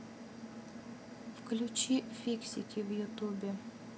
включи фиксики в ютубе